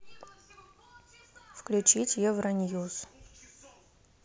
включить евроньюз